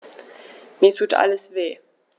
Mir tut alles weh.